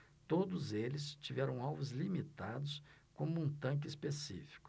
todos eles tiveram alvos limitados como um tanque específico